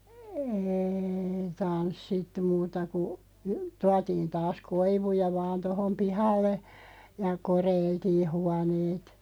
ei tanssittu muuta kuin tuotiin taas koivuja vain tuohon pihalle ja koreiltiin huoneet